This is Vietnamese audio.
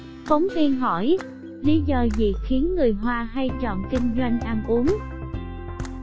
phóng viên lý do gì khiến người hoa hay chọn kinh doanh ăn uống